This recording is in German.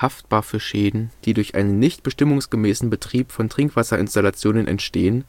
Haftbar für Schäden, die durch einen nicht bestimmungsgemäßen Betrieb von Trinkwasserinstallationen entstehen